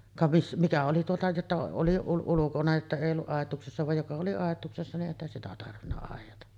ka - mitä oli tuota jotta oli - ulkona että ei ollut aitauksessa vaan joka oli aitauksessa niin eihän sitä tarvinnut aidata